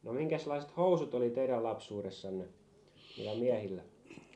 no minkäslaiset housut oli teidän lapsuudessanne niillä miehillä